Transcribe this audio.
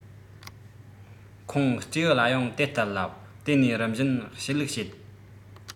ཁོང སྤྲེའུ ལ ཡང དེ ལྟར ལབ དེ ནས རིམ བཞིན ཞུ ལུགས བྱེད